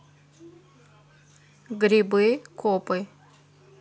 грибы копы